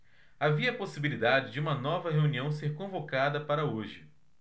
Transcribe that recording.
havia possibilidade de uma nova reunião ser convocada para hoje